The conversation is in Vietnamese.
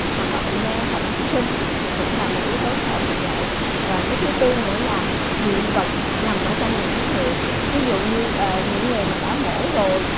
hoặc là bệnh neo thận bẩm sinh thì cũng là một yếu tố tạo thuận lợi vào cái thứ tư nữa là dị vật nằm ở trong đường tiết niệu thí dụ như ờ những người mà đã mổ rồi